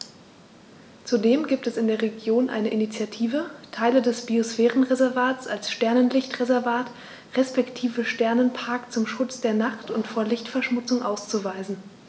Zudem gibt es in der Region eine Initiative, Teile des Biosphärenreservats als Sternenlicht-Reservat respektive Sternenpark zum Schutz der Nacht und vor Lichtverschmutzung auszuweisen.